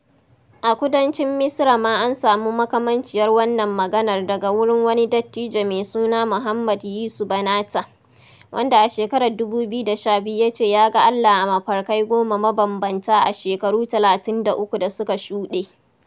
A kudancin Misira ma an samu makamanciyar wannan maganar daga wurin wani dattijo mai suna Muhammad Yiso Banatah, wanda a shekarar 2012 ya ce ya ga Allah a mafarkai goma mabambanta a shekaru 33 da suka shuɗe.